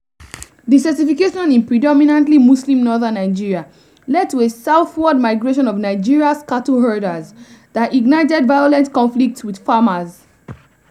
Desertification in predominantly-Muslim northern Nigeria led to a southward migration of Nigeria’s cattle herders that ignited violent conflicts with farmers.